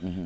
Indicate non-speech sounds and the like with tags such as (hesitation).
(hesitation) (hesitation)